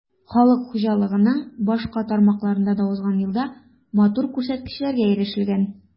Халык хуҗалыгының башка тармакларында да узган елда матур күрсәткечләргә ирешелгән.